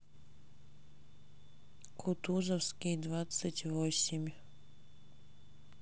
кутузовский двадцать восемь